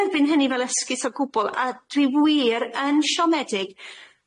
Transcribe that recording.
derbyn hynny fel esgus o gwbwl a dwi wir yn shiomedig